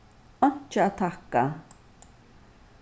einki at takka